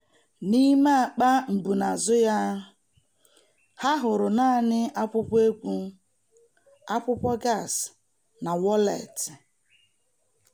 N'ime akpa mbunazụ ya, ha hụrụ naanị akwụkwọ egwu, akwụkwọ gasị, na wọleetị.